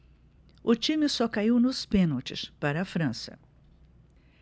o time só caiu nos pênaltis para a frança